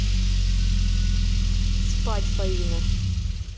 спать фаина